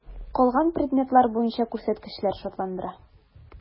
Калган предметлар буенча күрсәткечләр шатландыра.